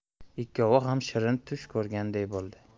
ikkovi ham shirin tush ko'rganday bo'ldi